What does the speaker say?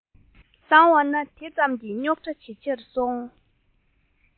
བཏང བ ན དེ ཙམ གྱིས རྙོག དྲ ཇེ ཆེར སོང